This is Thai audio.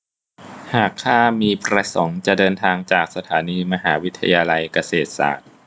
หากข้ามีประสงค์จะเดินทางจากสถานีมหาวิทยาลัยเกษตรศาสตร์